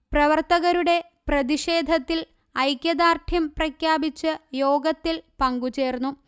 പ്രവർത്തകരുടെ പ്രതിഷേധത്തിൽ ഐക്യദാർഡ്യം പ്രഖ്യാപിച്ച് യോഗത്തിൽ പങ്കു ചേർന്നു